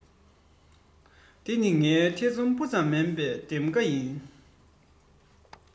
འདི ནི ངའི ཐེ ཚོ སྤུ ཙམ མེད པའི འདེམས ཁ ཡིན